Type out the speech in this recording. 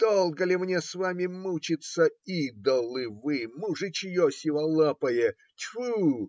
Долго ли мне с вами мучиться, идолы вы, мужичье сиволапое? Тьфу!